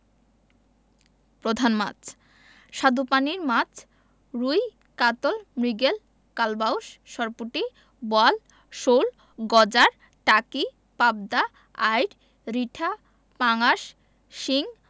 প্রধান মাছঃ স্বাদুপানির মাছ রুই কাতল মৃগেল কালবাউস সরপুঁটি বোয়াল শোল গজার টাকি পাবদা আইড় রিঠা পাঙ্গাস শিং